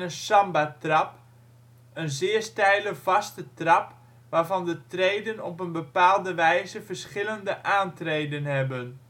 Sambatrap, een zeer steile vaste trap waarvan de treden op een bepaalde wijze verschillende aantreden hebben